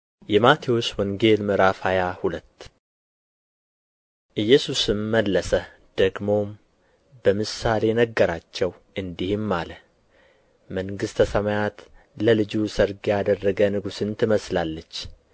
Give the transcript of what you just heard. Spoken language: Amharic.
﻿የማቴዎስ ወንጌል ምዕራፍ ሃያ ሁለት ኢየሱስም መለሰ ደግሞም በምሳሌ ነገራቸው እንዲህም አለ መንግሥተ ሰማያት ለልጁ ሰርግ ያደረገ ንጉሥን ትመስላለች